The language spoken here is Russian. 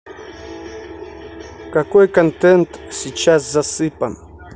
какой контент сейчас засыпан